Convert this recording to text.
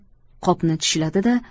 qopni tishladi da